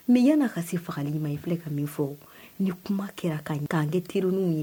Mɛ yan na ka se faga ma i filɛ ka min fɔ ni kuma kɛra ka n ka kɛ terirunw ye